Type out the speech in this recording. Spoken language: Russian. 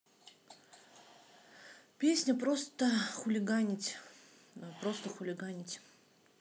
песня просто хулиганить просто хулиганить